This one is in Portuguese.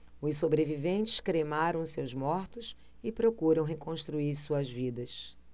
os sobreviventes cremaram seus mortos e procuram reconstruir suas vidas